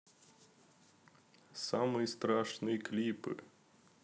самые страшные клипы